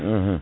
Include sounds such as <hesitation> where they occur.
<hesitation> <hesitation>